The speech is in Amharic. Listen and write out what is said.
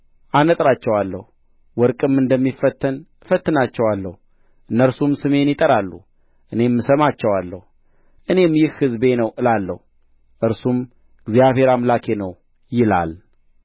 አነጥራቸዋለሁ ወርቅም እንደሚፈተን እፈትናቸዋለሁ እነርሱም ስሜን ይጠራሉ እኔም እሰማቸዋለሁ እኔም ይህ ሕዝቤ ነው እላለሁ እርሱም እግዚአብሔር አምላኬ ነው ይላል